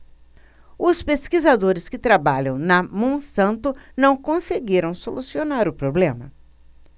os pesquisadores que trabalham na monsanto não conseguiram solucionar o problema